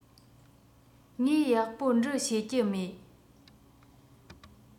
ངས ཡག པོ འབྲི ཤེས ཀྱི མེད